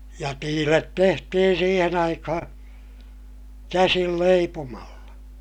ja tiilet tehtiin siihen aikaan käsin leipomalla